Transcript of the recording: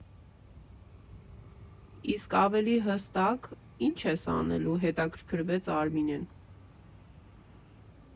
֊ Իսկ ավելի հստա՞կ, ի՞նչ ես անելու, ֊ հետաքրքրվեց Արմինեն։